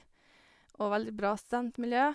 Og veldig bra studentmiljø.